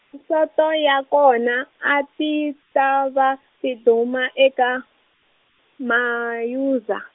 Soto ya kona a ti ta va tiduma eka, Mauzer.